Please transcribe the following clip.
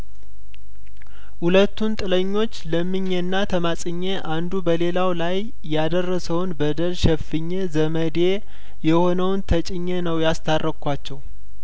ሁለቱን ጥለኞች ለምኜና ተማጽኜ አንዱ በሌለው ላይ ያደረሰውን በደል ሸፍኜ ዘመዴ የሆነውን ተጭኜ ነው ያስታረኳቸው